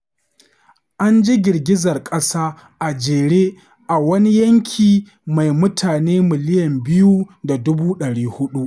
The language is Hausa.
An ji girgizar ƙasa a jere a wani yanki mai mutane miliyan 2 da dubu ɗari 4.